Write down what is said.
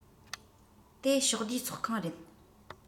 དེ ཕྱོགས བསྡུས ཚོགས ཁང རེད